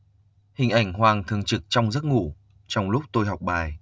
hình ảnh hoàng thường trực trong giấc ngủ trong lúc tôi học bài